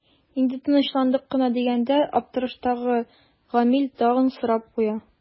Инде тынычландык кына дигәндә аптыраштагы Гамил тагын сорап куя.